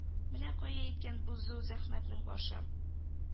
Менә кая икән бит бу зәхмәтнең башы